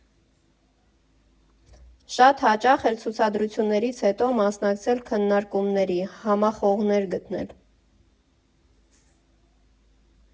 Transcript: Շատ հաճախ էլ ցուցադրություններից հետո մասնակեցել քննարկումների, համախոհներ գտնել։